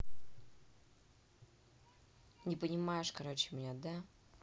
не понимаешь короче меня да